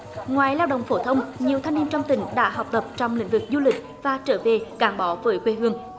ngoài lao động phổ thông nhiều thanh niên trong tỉnh đã học tập trong lĩnh vực du lịch và trở về gắn bó với quê hương